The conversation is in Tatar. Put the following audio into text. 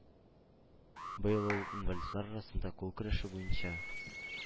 Быел ул инвалидлар арасында кул көрәше буенча